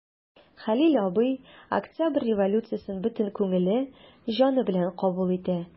Хәлил абый Октябрь революциясен бөтен күңеле, җаны белән кабул итә.